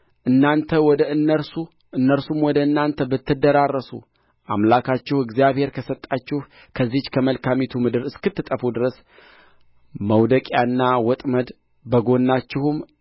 እናንተም ወደ እነርሱ እነርሱም ወደ እናንተ ብትደራረሱ አምላካችሁ እግዚአብሔር ከሰጣችሁ ከዚህች ከመልካሚቱ ምድር እስክትጠፉ ድረስ መውደቂያና ወጥመድ በጎናችሁም